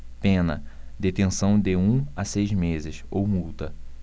pena detenção de um a seis meses ou multa